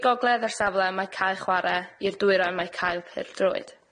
i'r gogledd o'r safle mae cae chware i'r dwyrain mae cae pêl-droed.